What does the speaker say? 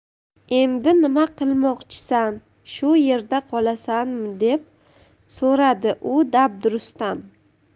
endi nima qilmoqchisan shu yerda qolasanmi deb so'radi u dabdurustdan